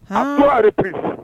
Hɔriri